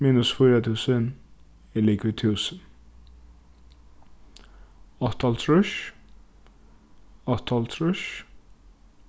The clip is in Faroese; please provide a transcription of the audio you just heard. minus fýra túsund er ligvið túsund áttaoghálvtrýss áttaoghálvtrýss